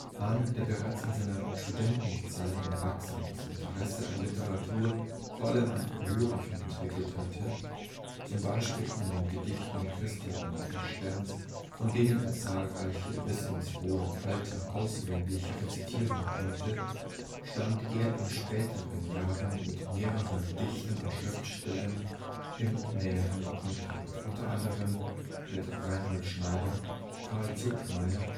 Hahn, der bereits in seiner Studentenzeit ein wachsendes Interesse an Literatur, vor allem an Lyrik entwickelt hatte (zum Beispiel an den Gedichten Christian Morgensterns, von denen er zahlreiche bis ins hohe Alter auswendig rezitieren konnte), stand in späten Jahren mit mehreren Dichtern und Schriftstellern in näherem Kontakt, u. a. mit Reinhold Schneider, Carl Zuckmayer